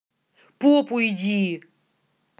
попу иди